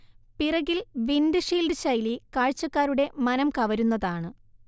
പിറകിൽ windshield ശൈലി കാഴ്ച്ചക്കാരുടെ മനംകവരുന്നതാണ്